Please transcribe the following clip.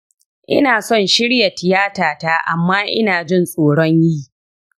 ina son shirya tiyatata amma ina jin tsoron yi.